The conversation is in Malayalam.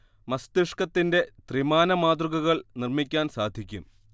മസ്തിഷ്കത്തിന്റെ ത്രിമാന മാതൃകകൾ നിർമ്മിക്കാൻ സാധിക്കും